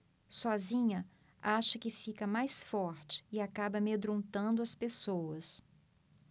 sozinha acha que fica mais forte e acaba amedrontando as pessoas